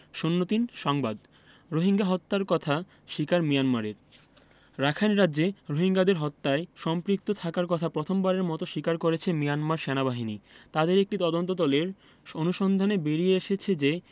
০৩ সংবাদ রোহিঙ্গা হত্যার কথা স্বীকার মিয়ানমারের রাখাইন রাজ্যে রোহিঙ্গাদের হত্যায় সম্পৃক্ত থাকার কথা প্রথমবারের মতো স্বীকার করেছে মিয়ানমার সেনাবাহিনী তাদের একটি তদন্তদলের অনুসন্ধানে বেরিয়ে এসেছে যে